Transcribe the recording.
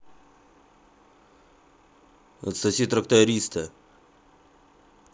отсоси трактариста